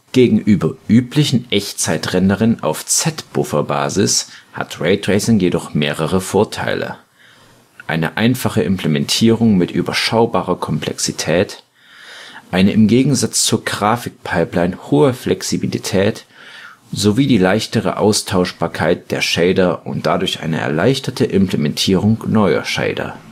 Gegenüber üblichen Echtzeitrenderern auf Z-Buffer-Basis hat Raytracing jedoch mehrere Vorteile: eine einfache Implementierung mit überschaubarer Komplexität, eine im Gegensatz zur Grafikpipeline hohe Flexibilität sowie die leichtere Austauschbarkeit der Shader und dadurch eine erleichterte Implementierung neuer Shader